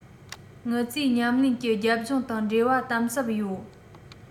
དངུལ རྩའི ཉམས ཉེན གྱི རྒྱབ ལྗོངས དང འབྲེལ བ དམ ཟབ ཡོད